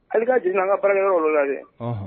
Hali ka jiginna an ka farakɛ yɔrɔ la dɛ